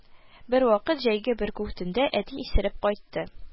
Бервакыт җәйге бөркү төндә әти исереп кайтты